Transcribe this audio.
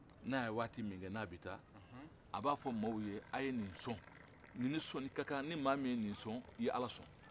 n'a ye waati min kɛ n'a bɛ taa a b'a fɔ maaw ye a' ye nin sɔn nin nin sɔnni ka kan ni maa min ye nin sɔn i ye ala sɔn